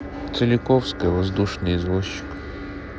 целиковская воздушный извозчик